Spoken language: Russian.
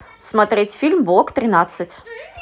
смотреть фильм блок тринадцать